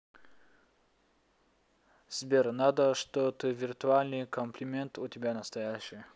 сбер надо что ты виртуальный комплимент у тебя настоящий